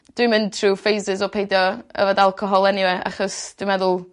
Dwi'n mynd trw phases o peidio yfed alcohol eniwe achos dwi meddwl